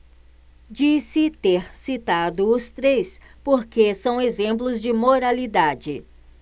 disse ter citado os três porque são exemplos de moralidade